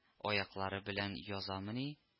Аяклары белән язамыни